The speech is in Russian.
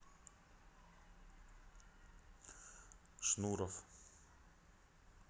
шнуров